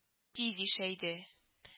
Тиз ишәйде